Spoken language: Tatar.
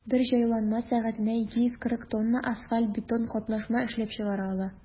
Бер җайланма сәгатенә 240 тонна асфальт–бетон катнашма эшләп чыгара ала.